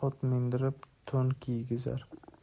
mindirib to'n kiygizar